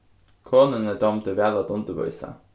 konuni dámdi væl at undirvísa